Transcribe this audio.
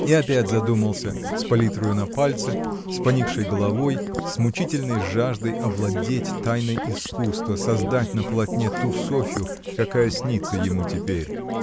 И опять задумался, с палитрою на пальце, с поникшей головой, с мучительной жаждой овладеть тайной искусства, создать на полотне ту Софью, какая снится ему теперь.